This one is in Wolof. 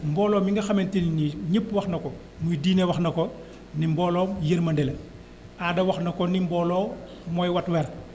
mbooloo mi nga xamante ne ni ñëpp wax na ko muy diine wax na ko ni mbooloom yërmande la aada wax na ko ni mbooloo mooy wat wer